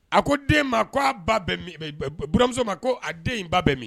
A ko den ma ko a ba bɛ min? Bɛ bɛ buranmuso ma. ko den in ba bɛ min?